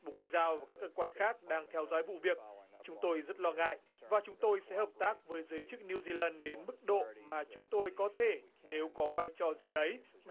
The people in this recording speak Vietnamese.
bộ ngoại giao và các cơ quan khác đang theo dõi vụ việc chúng tôi rất lo ngại và chúng tôi sẽ hợp tác với giới chức niu di lân đến mức độ mà chúng tôi có thể nếu có vai trò gì đấy